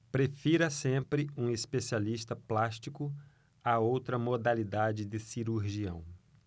prefira sempre um especialista plástico a outra modalidade de cirurgião